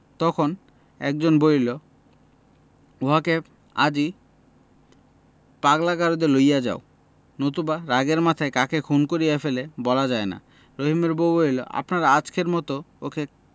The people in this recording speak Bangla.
তখন একজন বলিল উহাকে আজই পাগলা গারদে লইয়া যাও নতুবা রাগের মাথায় কাকে খুন করিয়া ফেলে বলা যায় না রহিমের বউ বলিল আপনারা আজকের মতো ওকে